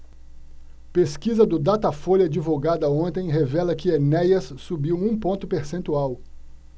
pesquisa do datafolha divulgada ontem revela que enéas subiu um ponto percentual